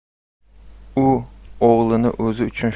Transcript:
u o'g'lini o'zi uchun